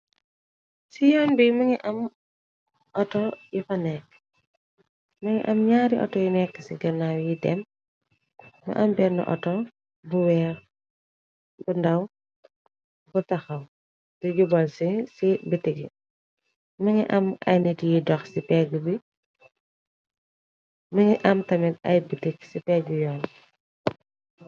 Ci yoon bi mi ngi am, auto yi fa nekk më ngi am ñaari auto yu nekk ci gannaaw yi dem, mi am bern auto bu weer, bu ndaw, bu taxaw, ti jubal ci ci bitiki, m ngi am ay nit yi dox, më ngi am tamil ay bitik ci pegg yi yoon.